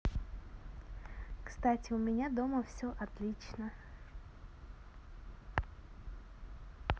кстати у меня дома все отлично